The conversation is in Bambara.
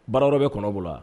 Baaradɔ bɛ kɔnɔ bolo wa